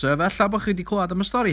So efallai bo' chi 'di clywad am y stori...